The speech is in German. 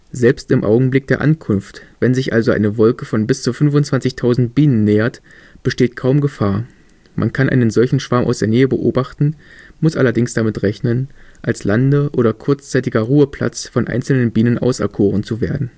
Selbst im Augenblick der Ankunft, wenn sich also eine Wolke von bis zu 25.000 Bienen nähert, besteht kaum Gefahr; man kann einen solchen Schwarm aus der Nähe beobachten, muss allerdings damit rechnen, als Lande - oder kurzzeitiger Ruheplatz von einzelnen Bienen auserkoren zu werden